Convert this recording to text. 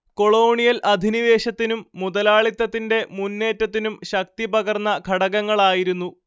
colonial അധിനിവേശത്തിനും മുതലാളിത്തത്തിന്റെ മുന്നേറ്റത്തിനും ശക്തി പകർന്ന ഘടകങ്ങളായിരുന്നു